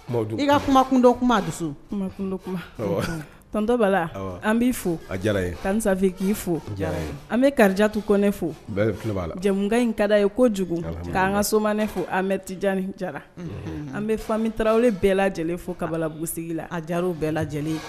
I ka kuma kundo kuma dusudo tontoba an b'i fo sanfɛfe k'i fo an bɛ karijatu kɔnɛ fo la jamu in ka ye kojugu k' an ka somaɛ fo an bɛ tijaani jara an bɛ fami tarawelew bɛɛ lajɛlen fo kababugu sigi la a jar bɛɛ lajɛlen